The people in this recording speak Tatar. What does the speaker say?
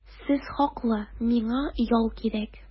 Сез хаклы, миңа ял кирәк.